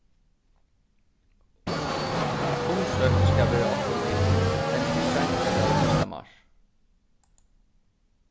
umsókn skal vera okkum í hendi í seinasta lagi fyrsta mars